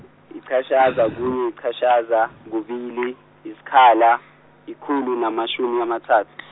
yichashaza , kunye, yichashaza, kubili, yisikhala, ikhulu namashumi amathathu .